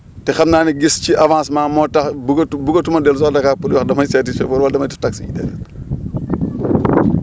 te xam naa ne gis ci avancement moo tax bëggatu bëggatuma dellu si waat Dakar pour di wax damay seeti Chauffeur wala damay def taxi déedéet